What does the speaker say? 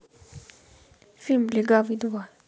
фильм легавый два